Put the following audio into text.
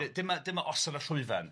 dy- dyma dyma osod y llwyfan... Iawn...